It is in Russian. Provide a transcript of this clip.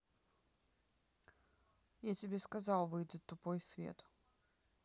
я тебе сказал выйдет тупой свет